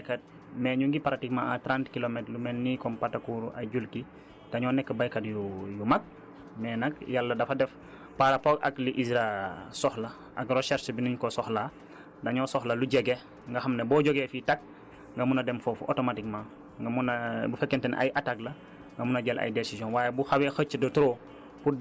parce que ñu gën a bëri nekk nañu ay baykat mais ñu ngi pratiquement à trente kilomètres ñu mel ni comme Patacourou ay Julti dañoo nekk baykat yu yu mag mais nag Yàlla dafa def par rapport ak li ISRA soxla ak recherche bi niñ ko soxlaa dañoo soxla lu jege nga xam ne boo jógee fii tag nga mën a dem foofu automatiquement nga mën a bu fekkente ne ay attaques la nga mun a jël ay décisions